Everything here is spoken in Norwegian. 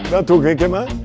det tok vi ikke med.